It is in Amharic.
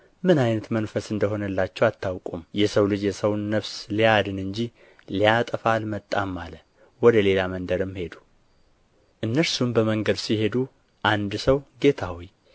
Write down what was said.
ምን ዓይነት መንፈስ እንደ ሆነላችሁ አታውቁም የሰው ልጅ የሰውን ነፍስ ሊያድን እንጂ ሊያጠፋ አልመጣም አለ ወደ ሌላ መንደርም ሄዱ እነርሱም በመንገድ ሲሄዱ አንድ ሰው ጌታ ሆይ